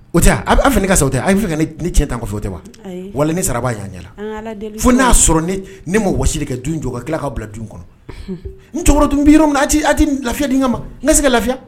O tɛ wa , a b'a fɛ ne ka sa, o tɛ , aw bɛ fɛ ka ne cɛn n kɔ fɛ, o tɛ wa wallahi ni ne sala a b'a ye aw ɲɛna, ayi, an ka allah deeli tɛ o ye fɔ n'a y'a sɔrɔ na ma du in jɔ ka tila k'aw bila du kɔnɔ, n cɔkɔrbatɔ n bi yɔrɔ min a tɛ lafiya di kama n ka se ka lafiya!